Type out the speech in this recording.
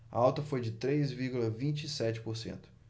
a alta foi de três vírgula vinte e sete por cento